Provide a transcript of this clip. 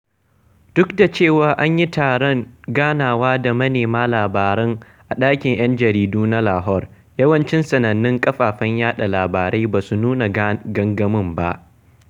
Duk da cewa an yi taron ganawa da manema labaran a ɗakin 'Yan Jaridu na Lahore, yawancin sanannun kafafen yaɗa labarai ba su nuna gangamin ba.